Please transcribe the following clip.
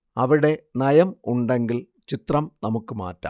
അവിടെ നയം ഉണ്ടെങ്കിൽ ചിത്രം നമുക്ക് മാറ്റാം